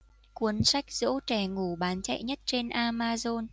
cuốn sách dỗ trẻ ngủ bán chạy nhất trên amazon